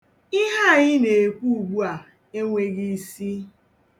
Ihe a ị na-ekwu ugbua enweghị isi.